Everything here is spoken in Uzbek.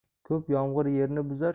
ko'p yomg'ir yerni buzar